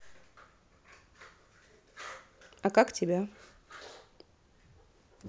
а как тебя